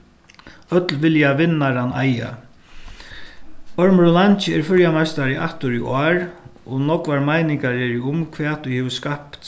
øll vilja vinnaran eiga ormurin langi er føroyameistari aftur í ár og nógvar meiningar eru um hvat ið hevur skapt